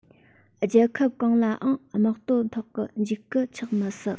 རྒྱལ ཁབ གང ལ ཡང དམག དོན ཐོག གི འཇིགས སྐུལ ཆགས མི སྲིད